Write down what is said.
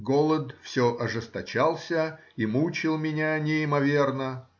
Голод все ожесточался и мучил меня неимоверно